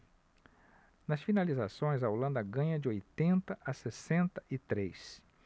nas finalizações a holanda ganha de oitenta a sessenta e três